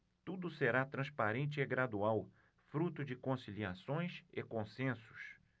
tudo será transparente e gradual fruto de conciliações e consensos